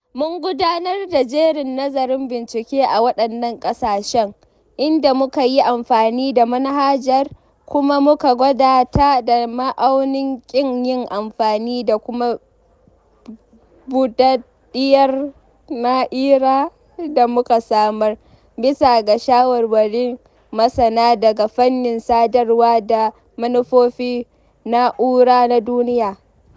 Mun gudanar da jerin nazarin bincike a waɗannan ƙasashen, inda muka yi amfani da manhajar kuma muka gwada ta da ma’aunin ƙin yin amfani da kuma buɗaɗiyar na'ira da muka samar, bisa ga shawarwarin masana daga fannin sadarwa da manufofin na'ura na duniya.